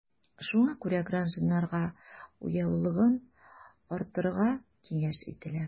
Шуңа күрә гражданнарга уяулыгын арттырыга киңәш ителә.